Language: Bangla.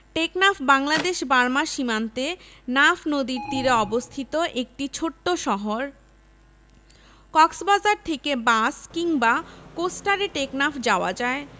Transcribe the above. টেকনাফ বাংলাদেশ বার্মা সীমান্তে নাফ নদীর তীরে অবস্থিত একটি ছোট্ট শহর কক্সবাজার থেকে বাস কিংবা কোস্টারে টেকনাফ যাওয়া যায়